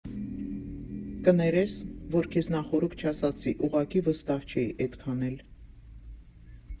֊ Կներես, որ քեզ նախօրոք չասացի, ուղղակի վստահ չէի էդքան էլ։